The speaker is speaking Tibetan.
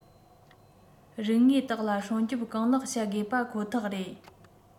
རིག དངོས དག ལ སྲུང སྐྱོབ གང ལེགས བྱ དགོས པ ཁོ ཐག རེད